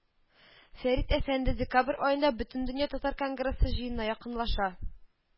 Фәрит әфәнде, декабр аенда Бөтендөня татар конгрессы җыены якынлаша